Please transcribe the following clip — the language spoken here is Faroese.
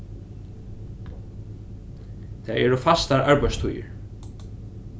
tað eru fastar arbeiðstíðir